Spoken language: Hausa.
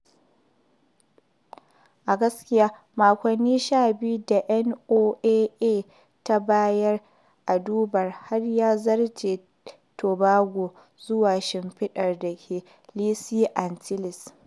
A gaskiya, makonni 12 da NOAA ta bayar a duba har ya zarce Tobago zuwa shimfiɗar da ke Lesser Antilles.